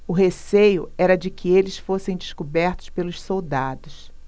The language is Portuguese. o receio era de que eles fossem descobertos pelos soldados